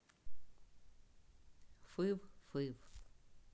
фыв фыв